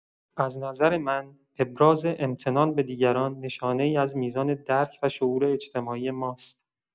از نظر من، ابراز امتنان به دیگران نشانه‌ای از میزان درک و شعور اجتماعی ماست.